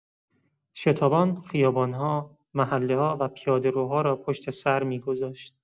شتابان خیابان‌ها، محله‌ها و پیاده‌روها را پشت‌سر می‌گذاشت.